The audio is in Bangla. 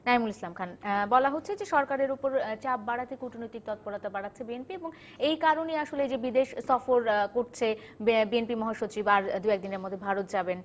নাঈমুল ইসলাম খান বলা হচ্ছে যে সরকারের উপর চাপ বাড়াতে কূটনৈতিক তৎপরতা বাড়াচ্ছে বিএনপি এবং এই কারণে আসলে যে বিদেশ সফর করছে বিএনপি মহাসচিব আর দুই একদিনের মধ্যে ভারত যাবেন